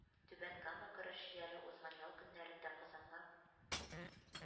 Түбән Кама көрәшчеләре узган ял көннәрендә Казанга,